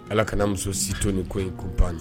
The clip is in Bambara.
Ala kana'a muso si to ni ko in ko ban ye